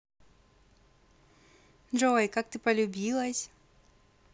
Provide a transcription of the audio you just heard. джой как ты полюбилась